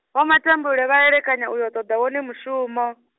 Vho Matambule vha elekanya uyo ṱoḓa wone mushumo.